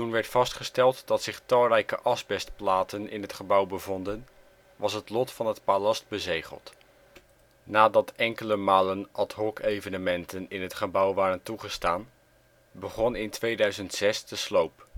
werd vastgesteld dat zich talrijke asbestplaten in het gebouw bevonden, was het lot van het Palast bezegeld. Nadat enkele malen ad-hocevenementen in het gebouw waren toegestaan, begon in 2006 de sloop